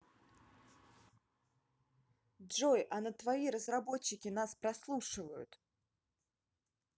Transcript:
джой а на твои разработчики нас прослушивают